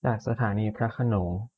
จากสถานีพระโขนง